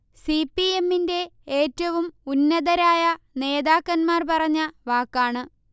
C. P. എ മ്മിന്റെ ഏറ്റവും ഉന്നതരായ നേതാക്കന്മാർ പറഞ്ഞ വാക്കാണ്